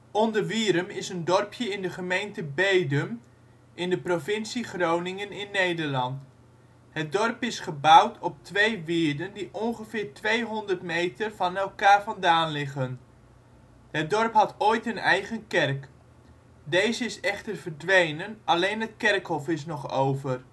Onderwierum is een dorpje in de gemeente Bedum in de provincie Groningen in Nederland. Het dorp is gebouwd op twee wierden die ongeveer 200 meter van elkaar vandaan liggen. Het dorp had ooit een eigen kerk. Deze is echter vedwenen, alleen het kerkhof is nog over